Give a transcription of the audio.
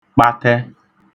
kpatẹ